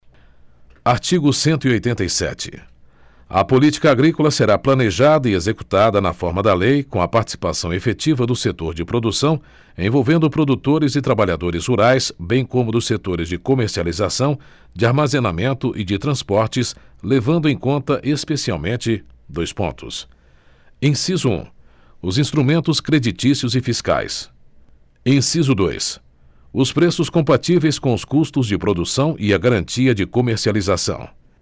artigo cento e oitenta e sete a política agrícola será planejada e executada na forma da lei com a participação efetiva do setor de produção envolvendo produtores e trabalhadores rurais bem como dos setores de comercialização de armazenamento e de transportes levando em conta especialmente dois pontos inciso um os instrumentos creditícios e fiscais inciso dois os preços compatíveis com os custos de produção e a garantia de comercialização